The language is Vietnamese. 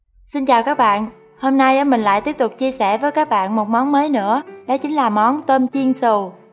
xin chào các bạn hôm nay mình lại tiếp tục chia sẻ với các bạn một món mới nữa đó chính là món tôm chiên xù